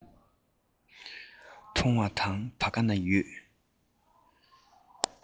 འཐུང བའི དང བ ག ན ཡོད